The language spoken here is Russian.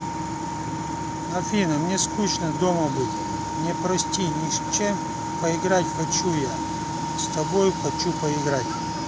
афина мне скучно дома быть не просто ни с кем поиграть в хочу я с тобой хочу поиграть